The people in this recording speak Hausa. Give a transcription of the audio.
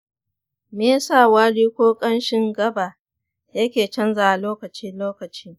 me yasa wari ko ƙanshin gaba yake canzawa lokaci-lokaci?